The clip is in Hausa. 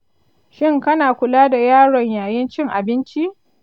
shin kana kula da yaron yayin cin abinci?